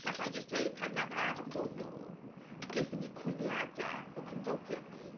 Gallai jyst dweud, pan wnaeth Adam dod nôl, gaethon ni cwyniadau o cymdogion ni...